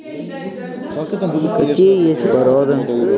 какие есть породы